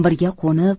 birga qo'nib